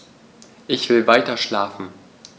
Ich will weiterschlafen.